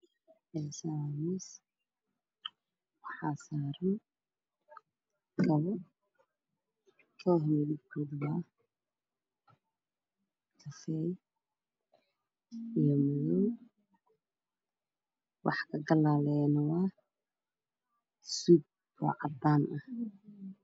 Meeshaan waa miis waxaa saaran kabo kabaha midabkooda waa cafee iyo madow waxa ka gadaaleeyo waa suud oo cadaan ah